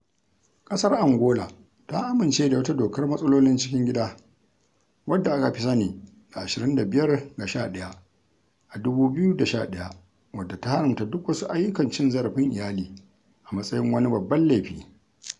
ƙasar Angola ta amince da wata dokar matsalolin cikin gida wadda aka fi sani da 25/11 a 2011 wadda ta haramta duk wasu ayyukan cin zarafin iyali a matsayin wani babban laifi.